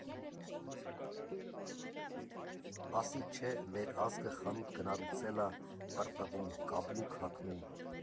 Ասի չէ, մեր ազգը խանութ գնալուց էլ ա պռտվում, կաբլուկ հագնում։